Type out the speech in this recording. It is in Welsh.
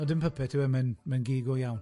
Wel, dim puppet yw e, mae'n mae'n gi go iawn.